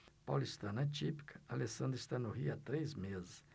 paulistana típica alessandra está no rio há três meses